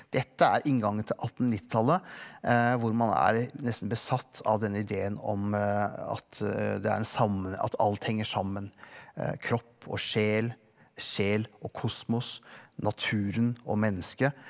dette er inngangen til attennittitallet hvor man er nesten besatt av denne ideen om at det er en sammen at alt henger sammen kropp og sjel, sjel og kosmos, naturen og menneske.